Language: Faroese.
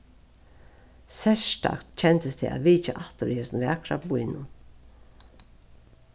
serstakt kendist tað at vitja aftur í hesum vakra býnum